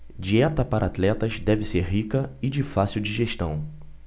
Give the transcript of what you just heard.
dieta para atletas deve ser rica e de fácil digestão